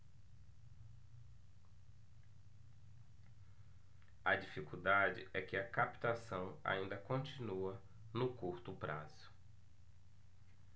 a dificuldade é que a captação ainda continua no curto prazo